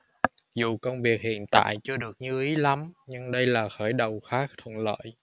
dù công việc hiện tại chưa được như ý lắm nhưng đây là khởi đầu khá thuận lợi